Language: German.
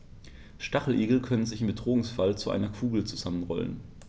Stacheligel können sich im Bedrohungsfall zu einer Kugel zusammenrollen.